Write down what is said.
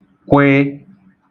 kw